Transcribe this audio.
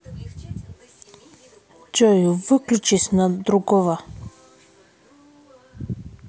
джой выключись на другого